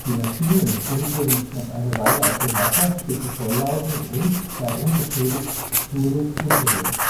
Maschinen dümpeln noch eine Weile auf dem Wasser, bis sie volllaufen und, da unbeschädigt, spurlos untergehen